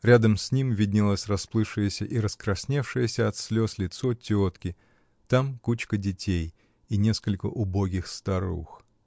Рядом с ним виднелось расплывшееся и раскрасневшееся от слез лицо тетки, там кучка детей и несколько убогих старух.